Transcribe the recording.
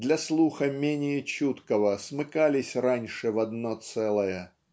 для слуха менее чуткого смыкались раньше в одно целое.